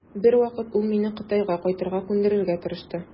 Бер вакыт ул мине Кытайга кайтырга күндерергә тырышты.